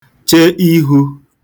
che ihū